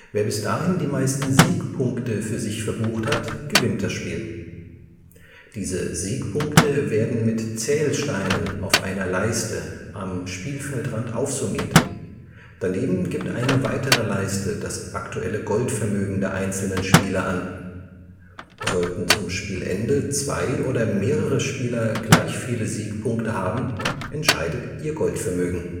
Wer bis dahin die meisten Siegpunkte für sich verbucht hat, gewinnt das Spiel. Diese Siegpunkte werden mit Zählsteinen auf einer Leiste am Spielfeldrand aufsummiert, daneben gibt eine weitere Leiste das aktuelle Goldvermögen der einzelnen Spieler an. Sollten zum Spielende zwei oder mehrere Spieler gleich viele Siegpunkte haben, entscheidet ihr Goldvermögen